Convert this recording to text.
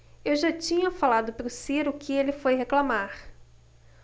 eu já tinha falado pro ciro que ele foi reclamar